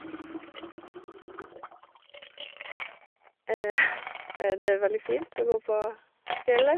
Det er veldig fint å gå på fjellet.